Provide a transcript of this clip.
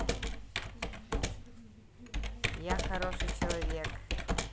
я хороший человек